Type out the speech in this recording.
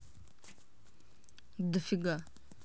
да дофига